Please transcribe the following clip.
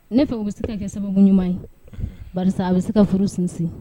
Ne fɛ u bɛ se ka kɛ sababu ɲuman ye baasi a bɛ se ka furu sinsin